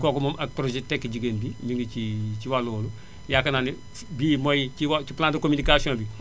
kooku moom ak projet tekki jigéen gi ñu ngi ci ci wàllu boobu yaakaar naa ne bii mooy ci wa ci plan de communication bi